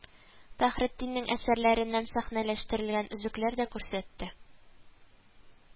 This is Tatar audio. Фәхретдиннең әсәрләреннән сәхнәләштерелгән өзекләр дә күрсәтте